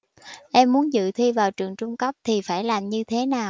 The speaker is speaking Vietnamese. em muốn dự thi vào trường trung cấp thì phải làm như thế nào